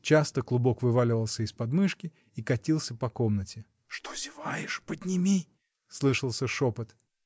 Часто клубок вываливался из подмышки и катился по комнате. — Что зеваешь, подними! — слышался шепот.